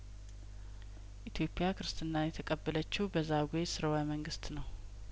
ኢትዮጵያ ክርስትናን የተቀበለችው በዛጔ ስርወ መንግስት ነው